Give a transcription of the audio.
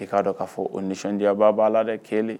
I k'a dɔn k'a fɔ, o ni nisɔndiyaba b'a la dɛ, 1.